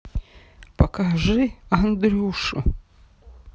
покажи андрюшу